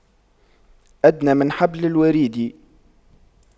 أدنى من حبل الوريد